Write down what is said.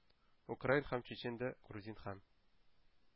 Украин һәм чечен дә, грузин һәм